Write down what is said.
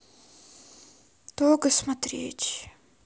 того смотреть